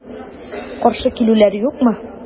Каршы килүләр юкмы?